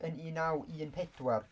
Yn un naw un pedwar.